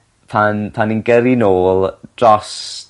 pan pan ni'n gyrru nôl dros